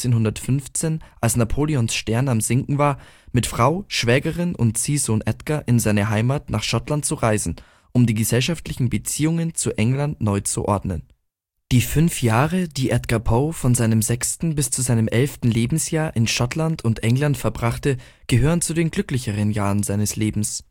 1815, als Napoleons Stern sank, mit Frau, Schwägerin und Ziehsohn in seine Heimat, nach Schottland zu reisen, um die geschäftlichen Beziehungen zu England neu zu ordnen. Die fünf Jahre, die Edgar Poe von seinem 6. bis zu seinem 11. Lebensjahr in Schottland und England verbrachte, gehören zu den glücklicheren Jahren seines Lebens